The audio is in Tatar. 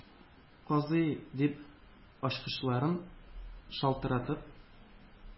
Казый!..-дип, ачкычларын шалтыратып,